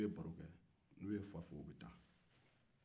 n'u ye fa fo u bɛ taa